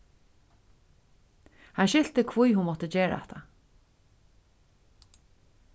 hann skilti hví hon mátti gera hatta